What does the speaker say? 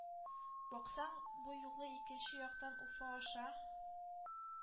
Баксаң, бу юлы икенче яктан — Уфа аша